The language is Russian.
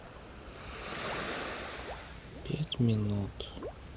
пять минут